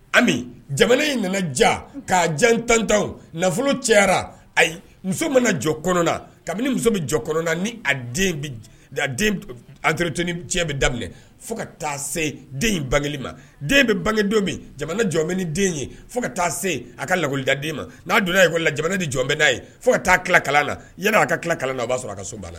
Jamana in nana ja k'a jan tantan nafolo cɛyara ayi muso mana jɔ kabini muso bɛ jɔ kɔnɔna ni atoret cɛ bɛ daminɛ fo ka taa den bange ma den bɛ bange don min jamana jɔ bɛ den ye fo ka taa a ka lakɔlida den ma n'a donna la jamana ni jɔn bɛ'a ye fo ka taa kalan na yala aa ka tila kalanla b'a sɔrɔ a ka so' la